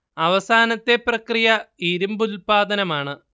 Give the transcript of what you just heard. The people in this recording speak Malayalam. അവസാനത്തെ പ്രക്രിയ ഇരുമ്പ് ഉല്പാദനമാണ്